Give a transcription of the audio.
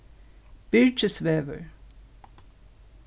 byrgisvegur